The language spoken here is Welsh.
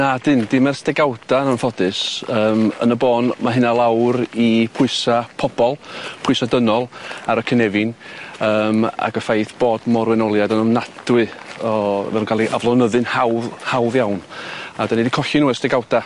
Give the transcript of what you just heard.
Na 'dyn dim ers degawda yn anffodus yym yn y bôn ma' hynna lawr i pwysa' pobol pwysa' dynol ar y cynefin yym ag y ffaith bod Morwenoliad yn ofnadwy o fel yn ca'l i aflonyddu'n hawdd hawdd iawn a 'da ni di colli n'w ers degawda.